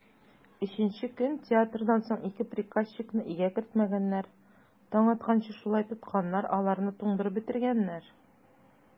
Өченче көн театрдан соң ике приказчикны өйгә кертмәгәннәр, таң атканчы шулай тотканнар, аларны туңдырып бетергәннәр.